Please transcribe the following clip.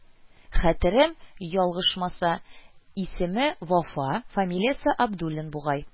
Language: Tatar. Хәтерем ял-гышмаса, исеме Вафа, фамилиясе Абдуллин бугай